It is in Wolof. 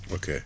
ok